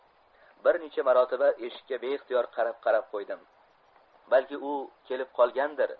bir necha marotaba eshikka beixtiyor qarab qarab qo'ydim balki u kelib qolgan dir